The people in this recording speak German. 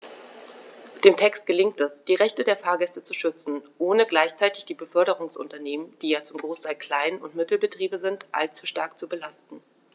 Dem Text gelingt es, die Rechte der Fahrgäste zu schützen, ohne gleichzeitig die Beförderungsunternehmen - die ja zum Großteil Klein- und Mittelbetriebe sind - allzu stark zu belasten.